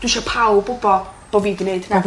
...dwi isio pawb wbo bo' fi 'di neud hynna.